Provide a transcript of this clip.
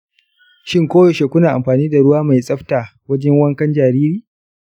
shin koyaushe kuna amfani da ruwa mai tsafta wajen wankan jariri?